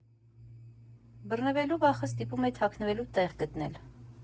Բռնվելու վախը ստիպում է թաքնվելու տեղ գտնել։